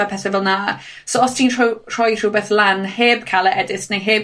a pethe fel 'na. So os ti'n rhy- rhoi rhywbeth lan heb ca'l y edit neu heb